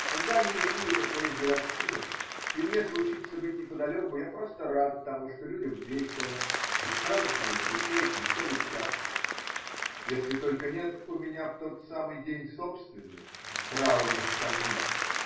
когда они ликуют о своих годовщинах и мне случится быть неподалеку, я просто рад тому, что людям весело, и праздную в душе их веселый час – если только нет у меня в тот самый день собственных траурных поминок.